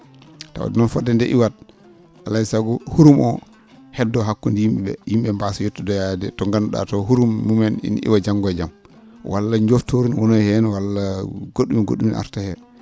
tawde noon fodde nde iwat alaa e sago kurum oo heddoo hakkunde yim?e ?ee yim?e ?ee mbaasa yottoyaade to nganndu?aa to hurum mumen ene iwa janngo e jam walla joftoru ne wona heen walla go??um e go??um no arta heen